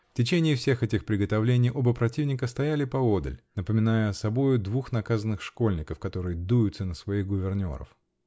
В течение всех этих приготовлений оба противника стояли поодаль, напоминая собою двух наказанных школьников, которые дуются на своих гувернеров .